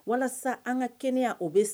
Walasa an ka kɛnɛya o bɛ